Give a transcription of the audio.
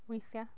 Weithiau?